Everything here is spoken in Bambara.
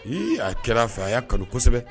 Ee a kɛra a fɛ a y'a kanu kosɛbɛ